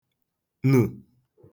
-nù